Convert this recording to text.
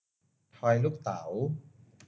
ทอยลูกเต๋า